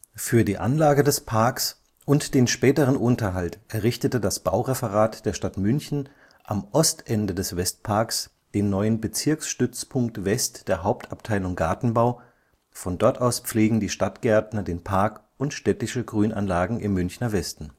Für die Anlage des Parks und den späteren Unterhalt errichtete das Baureferat der Stadt München am Ostende des Westparks den neuen Bezirksstützpunkt West der Hauptabteilung Gartenbau, von dort aus pflegen die Stadtgärtner den Park und städtische Grünflächen im Münchner Westen